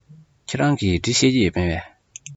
ཁྱེད རང གིས འབྲི ཤེས ཀྱི མེད པས